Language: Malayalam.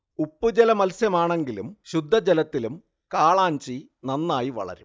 ഉപ്പ്ജല മത്സ്യമാണെങ്കിലും ശുദ്ധജലത്തിലും കാളാഞ്ചി നന്നായി വളരും